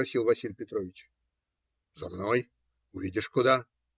- спросил Василий Петрович. - За мной. Увидишь, куда.